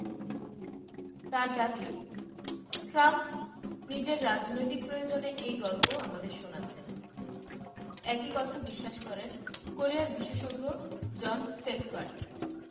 তাঁর দাবি ট্রাম্প নিজের রাজনৈতিক প্রয়োজনে এই গল্প আমাদের শোনাচ্ছেন একই কথা বিশ্বাস করেন কোরিয়ার বিশেষজ্ঞ জন ফেফফার